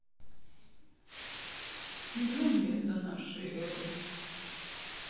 миллион лет до нашей эры